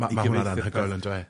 Ma' ma' hwnna'n anhygoel yndyw e?